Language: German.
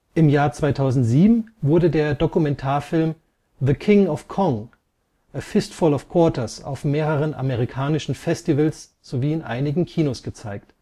Im Jahr 2007 wurde der Dokumentarfilm The King of Kong: A Fistful of Quarters auf mehreren amerikanischen Festivals sowie in einigen Kinos gezeigt